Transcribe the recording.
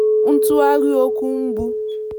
Ntụgharị okwu mbụ